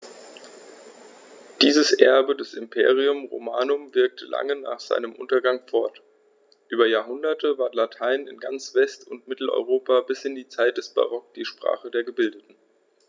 Dieses Erbe des Imperium Romanum wirkte lange nach seinem Untergang fort: Über Jahrhunderte war Latein in ganz West- und Mitteleuropa bis in die Zeit des Barock die Sprache der Gebildeten.